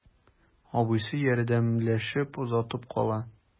Абыйсы ярдәмләшеп озатып кала.